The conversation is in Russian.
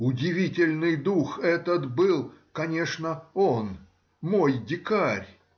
удивительный дух этот был, конечно, он — мой дикарь!